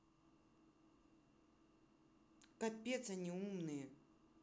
капец они умные